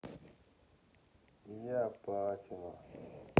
я патима